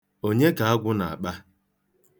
Onye ka agwụ na-akpa?